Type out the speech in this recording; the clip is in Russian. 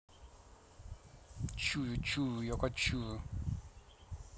чую чую я кочую